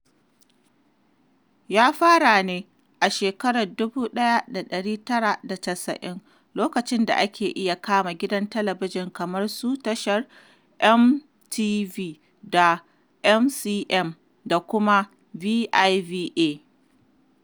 Ya fara ne a 1990 lokacin da ake iya kama gidajen talabijin kamar su tasahar MTV da MCM da kuma VIVA.